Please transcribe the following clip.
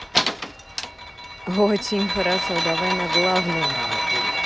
очень хорошо давай на главную